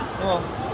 đúng hông